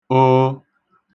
oo